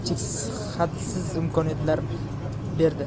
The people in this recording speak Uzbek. cheksiz hadsiz imkoniyatlar berdi